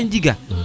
njega